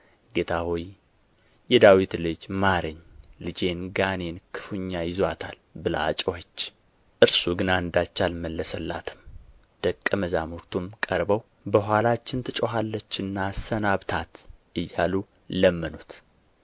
ጌታ ሆይ የዳዊት ልጅ ማረኝ ልጄን ጋኔን ክፉኛ ይዞአታል ብላ ጮኸች እርሱ ግን አንዳች አልመለሰላትም ደቀ መዛሙርቱም ቀርበው በኋላችን ትጮኻለችና አሰናብታት እያሉ ለመኑት